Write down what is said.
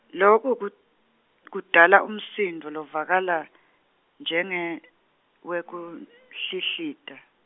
loku kud- kudala umsindvo lovakala njengewekuhlihlita.